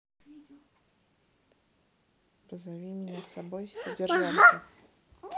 позови меня с собой содержанки